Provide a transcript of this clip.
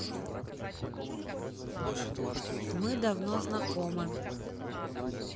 мы давно знакомы